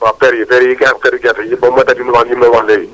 waaw per yi te am xetu gerte comme méthode yi mu la wax yi mu la wax léegi